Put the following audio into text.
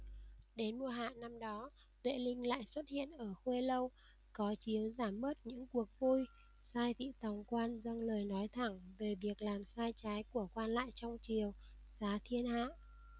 đến mùa hạ năm đó tuệ tinh lại xuất hiện ở khuê lâu có chiếu giảm bớt những cuộc vui sai thị tòng quan dâng lời nói thẳng về việc làm sai trái của quan lại trong triều xá thiên hạ